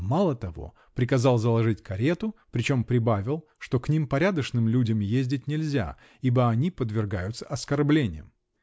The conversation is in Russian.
мало того: приказал заложить карету, причем прибавил, что к ним порядочным людям ездить нельзя, ибо они подвергаются оскорблениям!